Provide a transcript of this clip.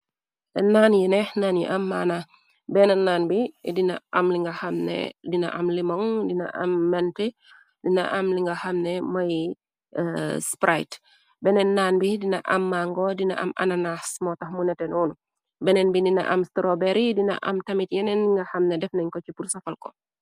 Te naan tu neex, naan yu am mana, benne naan bi dina am linga xamne, dina am limoŋ, dina am mente, dina am li nga xamne moy sprite, benneen naan bi dina am màngo, dina am ananas, moo tax mu nete noonu, beneen bi dina am strobery, dina am tamit yeneen yi nga xamne def nañ ko ci pur safal ko.